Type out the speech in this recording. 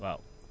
waaw